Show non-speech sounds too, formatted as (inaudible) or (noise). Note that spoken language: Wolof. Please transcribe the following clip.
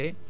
(hesitation) (hesitation)